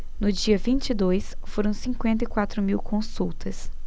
no dia vinte e dois foram cinquenta e quatro mil consultas